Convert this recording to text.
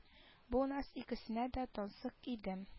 Бу наз икесенә дә тансык иде